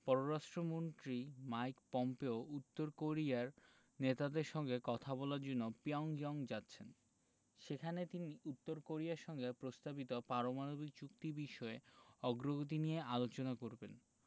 পররাষ্ট্রমন্ত্রী Mike Pompeo উত্তর কোরিয়ার নেতাদের সঙ্গে কথা বলার জন্য পিয়ংইয়ং যাচ্ছেন সেখানে তিনি উত্তর কোরিয়ার সঙ্গে প্রস্তাবিত পারমাণবিক চুক্তি বিষয়ে অগ্রগতি নিয়ে আলোচনা করবেন